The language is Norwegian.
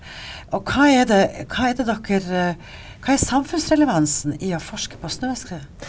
og hva er det hva er det dere hva er samfunnsrelevansen i å forske på snøskred?